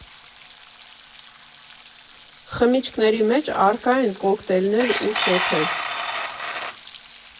Խմիչքների մեջ առկա են կոկտեյլներ ու շոթեր։